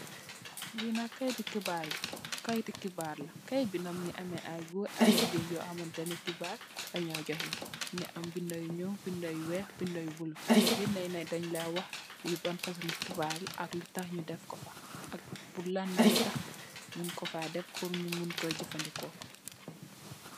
Linak kaiit to xibarr la kaait yinak Mungi ameh ayy gorr ayy gigeen yo xamantaneh xibarr lanyo jokheh mungi am binda yu nyul, binda yu wekh, binda yu bula binda Yi nak denylay wakh lii ban fasongi xibarr la ak lutakh nyu deffkofa, ak purr lan motakh nyungkofa deff purr mungko jefandiko.